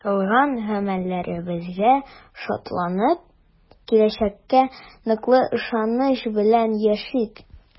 Кылган гамәлләребезгә шатланып, киләчәккә ныклы ышаныч белән яшик!